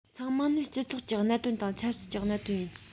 ཚང མ ནི སྤྱི ཚོགས ཀྱི གནད དོན དང ཆབ སྲིད ཀྱི གནད དོན ཡིན